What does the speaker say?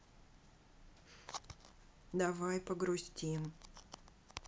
давай погрустим